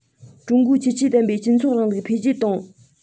ཀྲུང གོའི ཁྱད ཆོས ལྡན པའི སྤྱི ཚོགས རིང ལུགས འཕེལ རྒྱས གཏོང